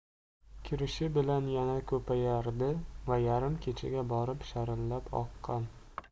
kirishi bilan yana ko'payardi va yarim kechaga borib sharillab oqqan